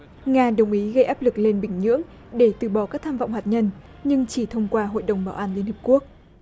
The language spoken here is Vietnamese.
nga đồng ý gây áp lực lên bình nhưỡng để từ bỏ các tham vọng hạt nhân nhưng chỉ thông qua hội đồng bảo an liên hợp quốc